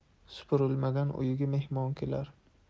supurilmagan uyga mehmon kelar